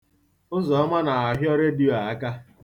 Ụzọma na-ahịọ redio aka.